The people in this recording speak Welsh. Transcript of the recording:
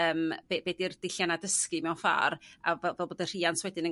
yym be be 'di'r dullianna' dysgu mewn ffor' a fel bod y rhiant wedyn yn